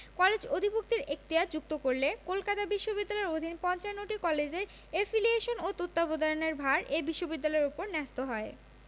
college অধিভুক্তির এখতিয়ার যুক্ত করলে কলকাতা বিশ্ববিদ্যালয়ের অধীন ৫৫টি কলেজের এফিলিয়েশন ও তত্ত্বাবধানের ভার এ বিশ্ববিদ্যালয়ের ওপর ন্যস্ত হয়